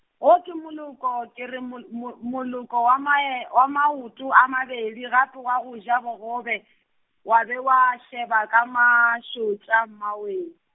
wo ke moloko, ke re mol- mo moloko wa mae, wa maoto a mabedi gape wa go ja bogobe, wa be wa šeba ka mašotša mmawee.